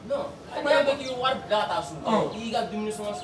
Dɔn ne k'i wari ka so y'i ka dumuni sɔrɔ